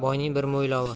boyning bir mo'ylovi